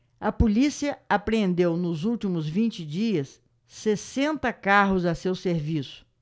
a polícia apreendeu nos últimos vinte dias sessenta carros a seu serviço